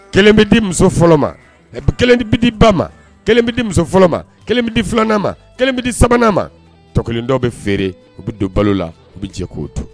Kelen bɛ di fɔlɔ ma kelen bɛ di ba ma kelen bɛ di fɔlɔ ma kelen bɛ di filanan ma kelen bɛ di sabanan ma tɔ kelen dɔw bɛ feere u bɛ don balo la u bɛ jɛ k'o to